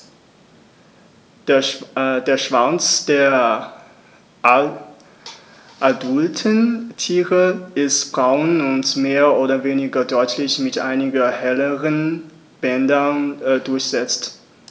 Der Schwanz der adulten Tiere ist braun und mehr oder weniger deutlich mit einigen helleren Bändern durchsetzt.